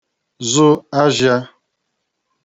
zə̣̀ azhịa